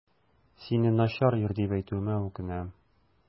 Сине начар ир дип әйтүемә үкенәм.